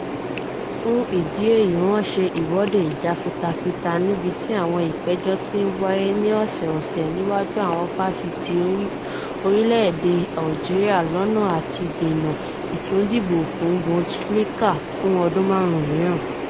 Fún ìdí èyí wọ́n ṣe ìwọ́de ìjàfitafita ní ibi tí àwọn ìpẹ̀jọ́ tí ń wáyé ní ọ̀sọ̀ọ̀sẹ̀ ní iwájú àwọn fáṣítì orílẹ̀ èdè Algeria lọ́nà àti dènà ìtúndìbòfún Bouteflika fún ọdún márùn-ún míràn.